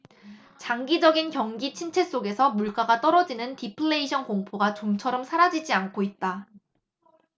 장기적인 경기침체 속에서 물가가 떨어지는 디플레이션 공포가 좀처럼 사라지지 않고 있다